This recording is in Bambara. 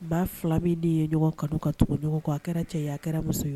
Maa 2 min den ye ɲɔgɔn kanu ka tugu ɲɔgn kɔ, a kɛra cɛ ye o, a kɛra muso ye.